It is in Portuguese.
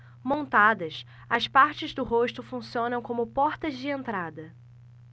montadas as partes do rosto funcionam como portas de entrada